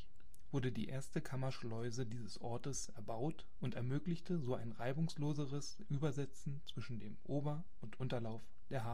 wurde die erste Kammerschleuse dieses Ortes erbaut und ermöglichte so einen reibungsloseres Übersetzen zwischen dem Ober - und Unterlauf der Havel